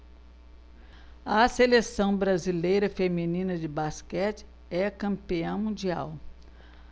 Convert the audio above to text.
a seleção brasileira feminina de basquete é campeã mundial